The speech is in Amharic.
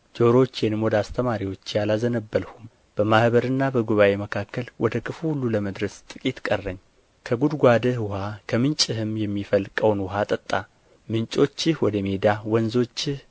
ጆሮቼንም ወደ አስተማሪዎቼ አላዘነበልሁም በማኅበርና በጉባኤ መካከል ወደ ክፉ ሁሉ ለመድረስ ጥቂት ቀረኝ ከጕድጓድህ ውኃ ከምንጭህም የሚፈልቀውን ውኃ ጠጣ ምንጮችህ ወደ ሜዳ ወንዞችህ